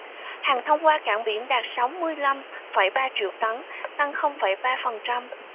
hàng thông qua cảng biển đạt sáu mươi lăm phẩy ba triệu tấn tăng không phẩy ba phần trăm